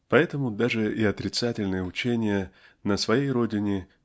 Поэтому даже и отрицательные учения на своей родине